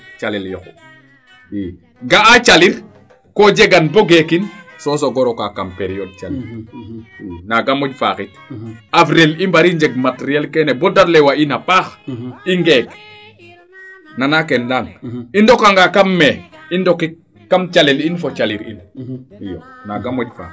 calel yoqu i ga'a calir ko jegan bo geekin so sogo roka kam periode calir naaga moƴ faaxit avril i mbari njeg materiel keen bo de lewa in a paax i ngeek nana keem leyang i ndoka nga kam mai i ndokik kam calel in fo calir in iyo naaga moƴ fax